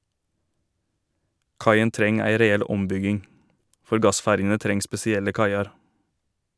Kaien treng ei reell ombygging, for gassferjene treng spesielle kaiar.